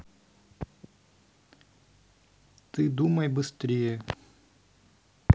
ты думай быстрее